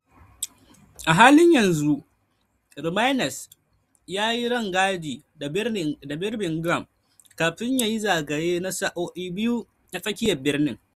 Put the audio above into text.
A halin yanzu, Remainers ya yi rangadi ta Birmingham kafin ya yi zagaye na sa'oi biyu a tsakiyar birnin